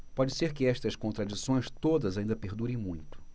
pode ser que estas contradições todas ainda perdurem muito